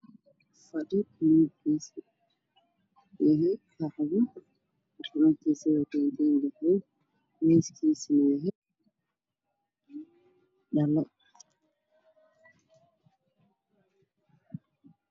Fadhi miiskiisu yahay madow ama qaxooy waxaa ka dambeeya kuraas iyo miisaas midabkoodu yahay madow leer ayaa ka ifaayo guriga